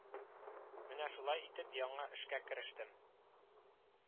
Менә шулай итеп, яңа эшкә керештем